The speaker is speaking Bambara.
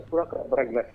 O tora ka fara